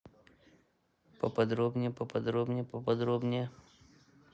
поподробнее поподробнее поподробнее